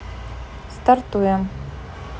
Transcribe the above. стартуем